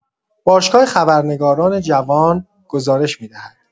باشگاه خبرنگاران جوان گزارش می‌دهد.